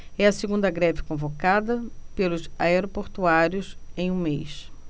é a segunda greve convocada pelos aeroportuários em um mês